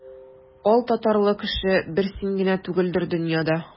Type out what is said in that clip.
Алтатарлы кеше бер син генә түгелдер дөньяда.